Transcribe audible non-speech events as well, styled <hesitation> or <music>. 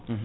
<hesitation> <hesitation>